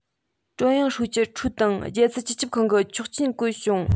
ཀྲུང དབྱང ཧྲུའུ ཅི ཁྲུའུ དང རྒྱལ སྲིད སྤྱི ཁྱབ ཁང གིས ཆོག མཆན བཀོད བྱུང